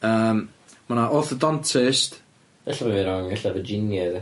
Yym, ma' 'na orthodontist... E'lla bo' fi wrong, ella Virginia ydi e.